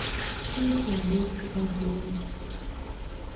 песня люси газманов